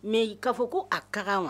Mɛ'i k'a fɔ ko a kama